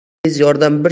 tez yordam bir